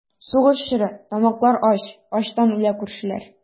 Сугыш чоры, тамаклар ач, Ачтан үлә күршеләр.